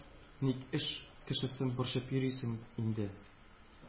Ник эш кешесен борчып йөрисең инде?” –